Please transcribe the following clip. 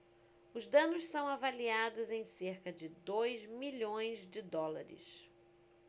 os danos são avaliados em cerca de dois milhões de dólares